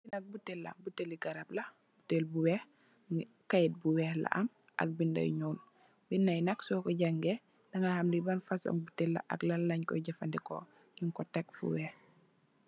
Li nak buteel la, buteel li garab la. Buteel bi weeh, kayet bu weeh la am ak binda yu ñuul. Binda yi nak soko jàng gè daga ham li ban fasung buteel la ak lan leen koy jafadeko. Nung ko tek fu weeh.